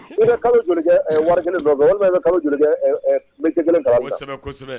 I bɛ Kalo joli kɛ 1 nɔɔfɛ walima i bɛ kalo joli kɛ métier 1 kalanni la.